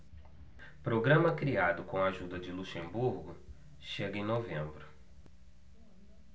programa criado com a ajuda de luxemburgo chega em novembro